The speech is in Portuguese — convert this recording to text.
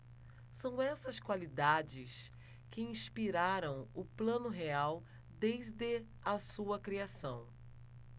são essas qualidades que inspiraram o plano real desde a sua criação